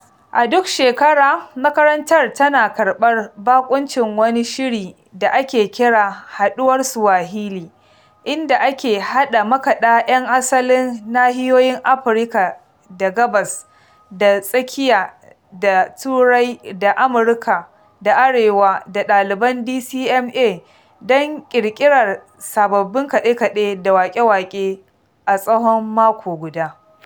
A duk shekara, makarantar tana karɓar baƙuncin wani shiri da ake kira "Haɗuwar Swahili" inda ake haɗa makaɗa 'yan asalin nahiyoyin Afirka da Gabas ta Tsakiya da Turai da Amurka ta Arewa da ɗaliban DCMA don ƙirƙirar sababbin kaɗe-kaɗe da waƙe-waƙe a tsahon mako guda.